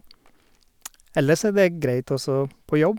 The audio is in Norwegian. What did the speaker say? Ellers så er det greit også på jobb.